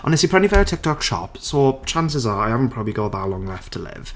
Ond wnes i prynu fe o TikTok shop so chances are, I haven't probably got that long left to live.